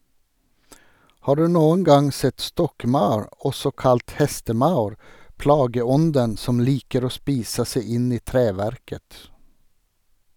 Har du noen gang sett stokkmaur, også kalt hestemaur, plageånden som liker å spise seg inn i treverket?